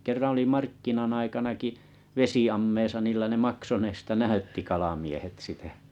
kerran oli markkinan aikanakin vesiammeessa niillä ne maksun edestä näytti kalamiehet sitä